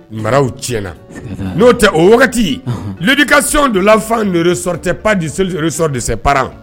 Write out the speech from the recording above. Maraw tiɲɛna n'o tɛ o wagati ludi kasiɔn don lafan nire sɔrɔ tɛ pa de selire sɔrɔ dese paran